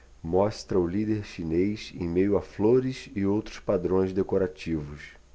mostra o líder chinês em meio a flores e outros padrões decorativos